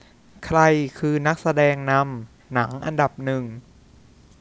ใครคือนักแสดงนำหนังอันดับหนึ่ง